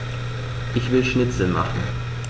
Ich will Schnitzel machen.